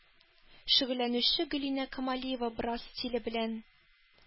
Шөгыльләнүче гөлинә камалиева брасс стиле белән